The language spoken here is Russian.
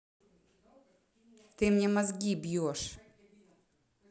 ты мне мозги бешь